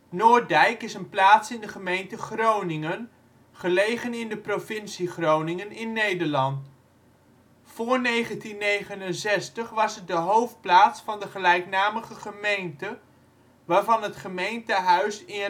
Noorddiek) is een plaats in de gemeente Groningen gelegen in de provincie Groningen in Nederland. De Noordermolen nabij Noorddijk Voor 1969 was het de hoofdplaats van de gelijknamige gemeente, waarvan het gemeentehuis in